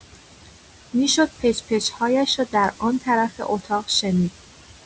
می‌شد پچ‌پچ‌هایش را در آن‌طرف اتاق شنید.